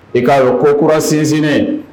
I k'a ko kura sinsin